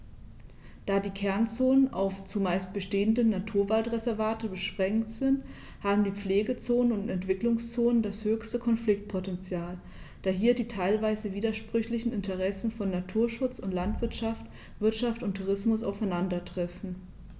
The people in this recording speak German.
Da die Kernzonen auf – zumeist bestehende – Naturwaldreservate beschränkt sind, haben die Pflegezonen und Entwicklungszonen das höchste Konfliktpotential, da hier die teilweise widersprüchlichen Interessen von Naturschutz und Landwirtschaft, Wirtschaft und Tourismus aufeinandertreffen.